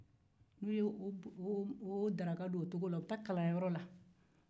n'u ye daraka dun o cogo la u bɛ taa kalanyɔrɔ la